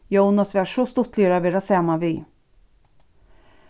jónas var so stuttligur at vera saman við